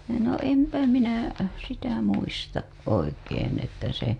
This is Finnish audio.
no en minä sitä muista oikein että se